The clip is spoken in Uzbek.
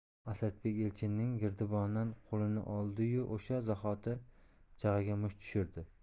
asadbek elchinning giribonidan qo'lini oldi yu o'sha zahoti jag'iga musht tushirdi